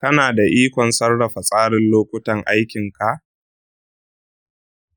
kana da ikon sarrafa tsarin lokutan aikinka?